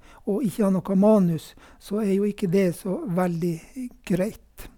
Og ikke ha noe manus, så er jo ikke det så veldig greit.